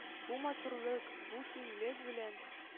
Бу матурлык, бу киңлек белән